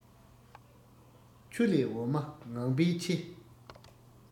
ཆུ ལས འོ མ ངང པས ཕྱེ